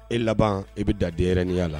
E laban i bɛ da den niya la